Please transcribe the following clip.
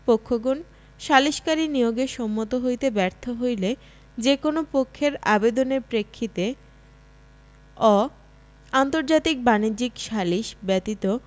পক্ষগণ সালিসকারী নিয়োগে সম্মত হইতে ব্যর্থ হইলে যে কোন পক্ষের আবেদনের প্রেক্ষিতে অ আন্তর্জাতিক বাণিজ্যিক সালিস ব্যতীত